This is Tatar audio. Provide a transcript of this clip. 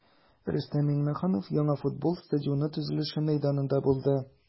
Рөстәм Миңнеханов яңа футбол стадионы төзелеше мәйданында булды.